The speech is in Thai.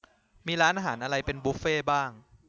มีร้านอาหารไหนเป็นบุฟเฟต์บ้าง